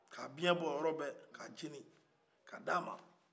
ka biyɛn bɔ o yɔrɔ bɛ ka jeni ka a di a ma